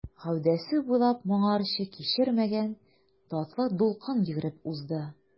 Гәүдәсе буйлап моңарчы кичермәгән татлы дулкын йөгереп узды.